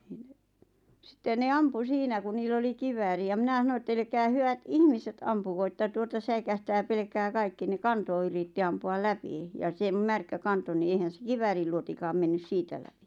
niin sitten ne ampui siinä kun niillä oli kivääri ja minä sanoin että älkää hyvät ihmiset ampuko että tuota säikähtää pelkää kaikki ne kantoi yritti ampua läpi ja sen märkä kantoi niin eihän se kiväärinluotikaan mennyt siitä läpi